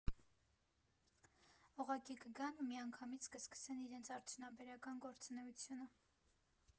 Ուղղակի կգան ու միանգամից կսկսեն իրենց արդյունաբերական գործունեությունը»։